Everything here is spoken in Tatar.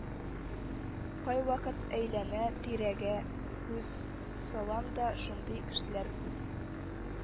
Кайвакыт әйләнә-тирәгә күз салам да, шундый кешеләр күп